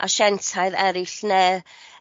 asientaidd eryll ne'